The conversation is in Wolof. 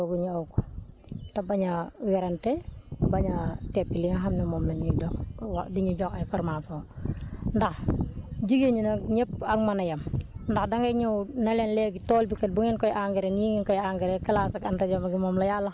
tracée guñ ne ñu aw leen si foofu ñu aw ko te bañ a werante bañ a teggi li nga xam ne moom lañ ñuy jox waa di ñu jox ay formations ndax jigéen ñi nag ñëpp ak man a yem ndax dangay ñëw ne leen kléegi tool bi kat bu ngeen koy engrais nii ngeen koy engrais